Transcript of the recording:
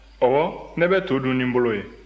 ɔwɔ ne bɛ to dun ni n bolo ye